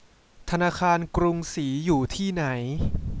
ธนาคารกรุงศรีอยู่ที่ไหน